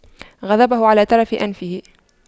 غضبه على طرف أنفه